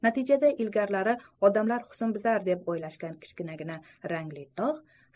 natijada ilgarilari odamlar husnbuzar deb o'ylashgan kichkinagina rangli dog'